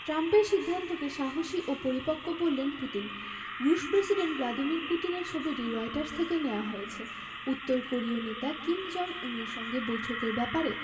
ট্রাম্পের সিদ্ধান্তকে সাহসী ও পরিপক্ব বললেন পুতিন রুশ প্রেসিডেন্ট ভ্লাদিমির পুতিনের ছবিটি রয়টার্স থেকে নেয়া হয়েছে উত্তর কোরীয় নেতা কিম জং উনের সঙ্গে বৈঠকের ব্যাপারে